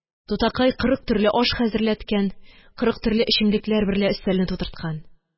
Тутакай кырык төрле аш хәзерләткән, кырык төрле эчемлекләр берлә өстәлне тутырткан.